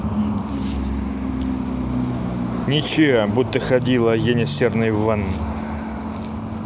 ниче будто ходила ене серной ван